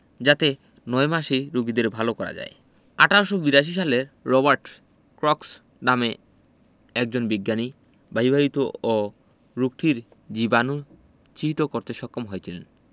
যাতে ৯ মাসেই রোগীদের ভালো করা যায় ১৮৮২ সালে রবার্ট ক্রক্স নামে একজন বিজ্ঞানী বায়ুবাহিত ও রোগটির জীবাণু চিহিত করতে সক্ষম হয়েছিলেন